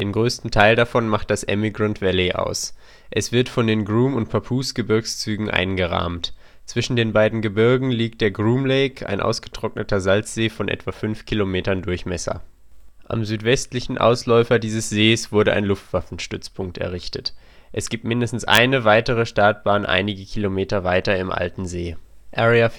größten Teil davon macht das Emigrant Valley aus, das von den Groom - und Papoose-Gebirgszügen eingerahmt wird. Zwischen den beiden Gebirgen liegt der Groom Lake, ein ausgetrockneter Salzsee von etwa 5 km Durchmesser. Am südwestlichen Ausläufer dieses Sees wurde ein Luftwaffenstützpunkt errichtet, und es gibt mindestens eine weitere Startbahn einige Meilen weiter im alten See. Area